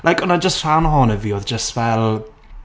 Like, oedd 'na jyst rhan ohono fi oedd jyst fel...